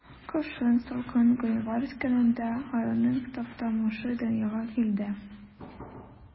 Кышын, салкын гыйнвар көнендә, аюның Таптамышы дөньяга килде.